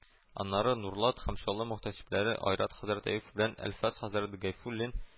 Аннары Нурлат һәм Чаллы мөхтәсибләре Айрат хәзрәт Әюпов белән Әлфәс хәзрәт Гайфуллинн